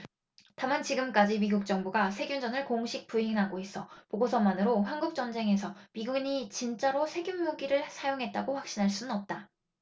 다만 지금까지 미국 정부가 세균전을 공식 부인하고 있어 보고서만으로 한국전쟁에서 미군이 진짜로 세균무기를 사용했다고 확신할 수는 없다